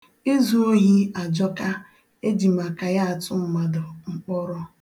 Izu ohi ajọka, eji maka ya atụ mmadụ mkpọrọ.